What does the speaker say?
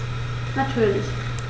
Natürlich.